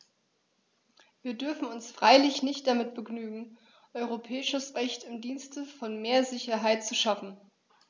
Wir dürfen uns freilich nicht damit begnügen, europäisches Recht im Dienste von mehr Sicherheit zu schaffen.